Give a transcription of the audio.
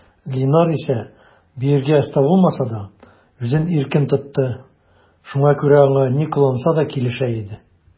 Линар исә, биергә оста булмаса да, үзен иркен тотты, шуңа күрә аңа ни кыланса да килешә иде.